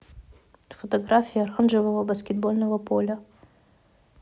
фотография оранжевого баскетбольного поля